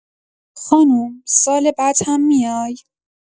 خانم، سال بعد هم میای؟